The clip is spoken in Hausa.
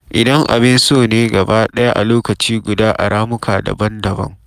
Idan abin so ne gaba ɗaya a lokaci guda a ramuka daban-daban.